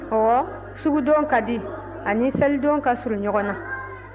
ɔwɔ sugudon ka di a ni selidon ka surun ɲɔgɔn na